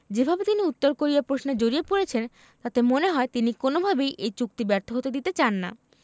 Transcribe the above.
যেভাবে তিনি উত্তর কোরিয়া প্রশ্নে জড়িয়ে পড়েছেন তাতে মনে হয় তিনি কোনোভাবেই এই চুক্তি ব্যর্থ হতে দিতে চান না